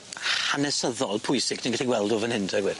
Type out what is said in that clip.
hanesyddol pwysig ti'n gallu gweld o fan 'yn te gwed?